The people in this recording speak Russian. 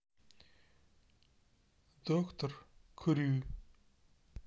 доктор крю